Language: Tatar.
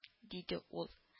— диде ул